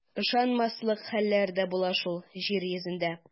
Ышанмаслык хәлләр дә була шул җир йөзендә.